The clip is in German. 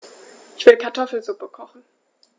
Ich will Kartoffelsuppe kochen.